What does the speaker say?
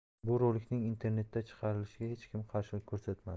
bu rolikning internetda chiqarilishiga hech kim qarshilik ko'rsatmadi